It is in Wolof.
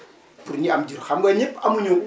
pour ñi am jur xam nga ñëpp amuñu